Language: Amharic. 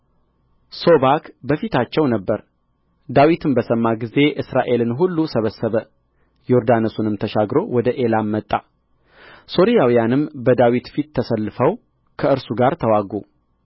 ሶባክ በፊታቸው ነበረ ዳዊትም በሰማ ጊዜ እስራኤልን ሁሉ ሰበሰበ ዮርዳኖስንም ተሻግሮ ወደኤላም መጣ ሶርያውያንም በዳዊት ፊት ተሰልፈው ከእርሱ ጋር ተዋጉ